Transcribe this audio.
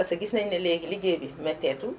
parce que gis nañu ne léegi liggéey bi métteetul